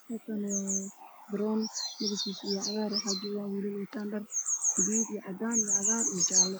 Halkaan waa garoon midabkiisu uu yahay cagaar waxaa joogo wiilal wato dhar buluug, cadaan, cagaar iyo jaale.